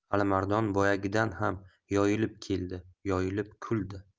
alimardon boyagidan ham yoyilib keldi yoyilib kuldi